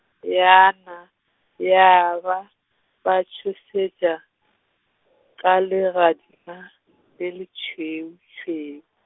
yana, ya ba, ba tšhošetša, ka legadima, le lešweušweu.